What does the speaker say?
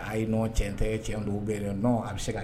Ayi non tiɲɛ tɛ tiɲɛ don ou bien non a bɛ se ka